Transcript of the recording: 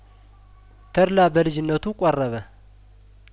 ተድላ በልጅነቱ ቆረበ